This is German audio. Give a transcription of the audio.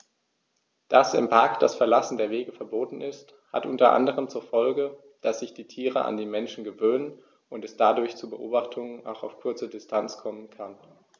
Dass im Park das Verlassen der Wege verboten ist, hat unter anderem zur Folge, dass sich die Tiere an die Menschen gewöhnen und es dadurch zu Beobachtungen auch auf kurze Distanz kommen kann.